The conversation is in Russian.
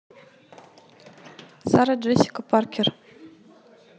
сара джессика паркер